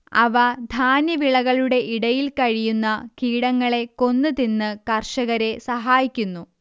അവ ധാന്യവിളകളുടെ ഇടയിൽ കഴിയുന്ന കീടങ്ങളെ കൊന്ന് തിന്ന് കർഷകരെ സഹായിക്കുന്നു